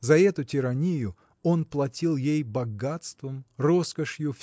За эту тиранию он платил ей богатством роскошью